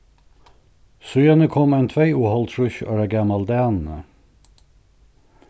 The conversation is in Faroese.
síðani kom ein tvey og hálvtrýss ára gamal dani